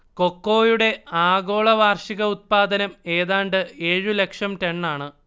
കൊക്കോയുടെ ആഗോള വാർഷിക ഉത്പാദനം ഏതാണ്ട് ഏഴ് ലക്ഷം ടണ്ണാണ്